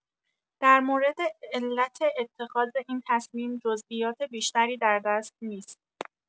در مورد علت اتخاذ این تصمیم جزئیات بیشتری در دست نیست.